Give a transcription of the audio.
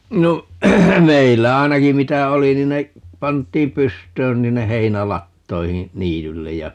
no meillä ainakin mitä oli niin ne pantiin pystyyn niin sinne heinälatoihin niitylle ja